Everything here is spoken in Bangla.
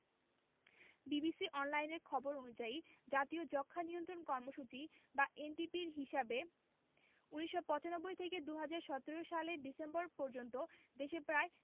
বিবিসি অনলাইনের খবর অনুযায়ী জাতীয় যক্ষ্মা নিয়ন্ত্রণ কর্মসূচি বা এনটিপির হিসেবে ১৯৯৫ থেকে ২০১৭ সালের ডিসেম্বর পর্যন্ত দেশে প্রায়